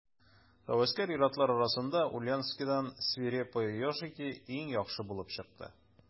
Һәвәскәр ир-атлар арасында Ульяновскидан «Свирепые ежики» иң яхшы булып чыкты.